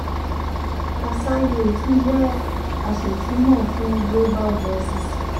Kassaye tún jẹ́ aṣètumọ̀ fún Global Voices.